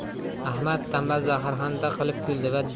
ahmad tanbal zaharxanda qilib kuldi